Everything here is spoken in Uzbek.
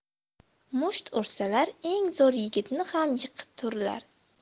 musht ursalar eng zo'r yigitni ham yiqiturlar